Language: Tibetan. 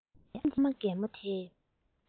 ཁྱིམ གྱི ཨ མ རྒན མོ དེས